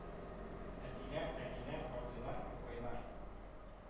Әтиләр, әниләр, абыйлар, апалар